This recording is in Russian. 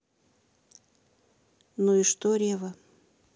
ну и что ревва